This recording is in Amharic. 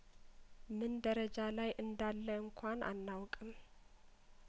ምን ደረጃ ላይ እንዳለ እንኳን አናውቅም